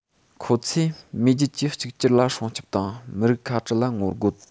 ཁོ ཚོར མེས རྒྱལ གྱི གཅིག གྱུར ལ སྲུང སྐྱོབ དང མི རིགས ཁ བྲལ ལ ངོ རྒོལ